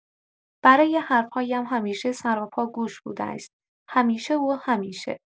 برای حرف‌هایم همیشه سراپا گوش بوده است، همیشه و همیشه.